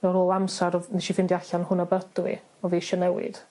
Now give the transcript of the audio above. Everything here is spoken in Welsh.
Ar ôl amsar o'dd nesh i ffindio allan hwnna be ydw i o fi isio newid.